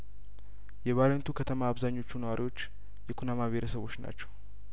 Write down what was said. የባሬንቱ ከተማ አብዛኞቹ ነዋሪዎች የኩናማ ብሄረሰቦች ናቸው